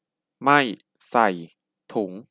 ไม่ใส่ถุง